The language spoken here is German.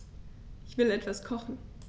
Ich will etwas kochen.